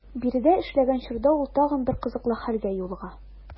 Биредә эшләгән чорда ул тагын бер кызыклы хәлгә юлыга.